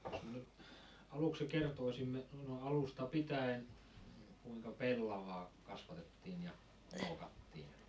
jos me nyt aluksi kertoisimme alusta pitäen kuinka pellavaa kasvatettiin ja muokattiin